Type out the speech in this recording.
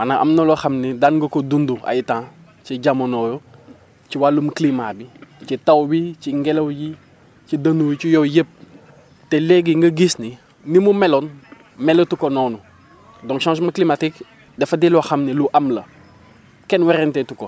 maanaam am na loo xam ne daan nga ko dund ay temps ci jamono ci wàllum climat bi ci taw bi ci ngelaw yi ci dënnu ci yooyu yëpp te léegi nga gis ni ni mu mleloon melatu ko noonu ndax changement climatique dafa di loo xam ne lu am la kenn weranteetu ko